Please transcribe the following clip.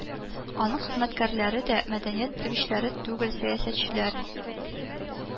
Аның хезмәткәрләре дә мәдәният белгечләре түгел сәясәтчеләр